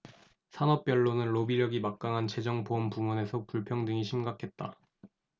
산업별로는 로비력이 막강한 재정 보험 부문에서 불평등이 심각했다